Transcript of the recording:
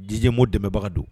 DJ Mo dɛmɛbaga don.